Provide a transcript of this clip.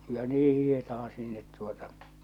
ja niin hiihdetään sinne tuota